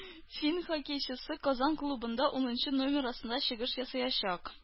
Фин хоккейчысы Казан клубында унынчы номер астында чыгыш ясаячак